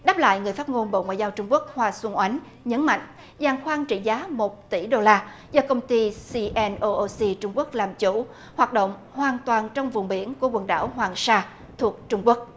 đáp lại người phát ngôn bộ ngoại giao trung quốc hoa xuân oánh nhấn mạnh giàn khoan trị giá một tỷ đô la do công ty xi en âu âu xi trung quốc làm chủ hoạt động hoàn toàn trong vùng biển của quần đảo hoàng sa thuộc trung quốc